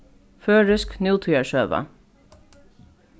føroysk nútíðarsøga